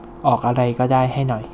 ออกอะไรก็ได้ให้หน่อย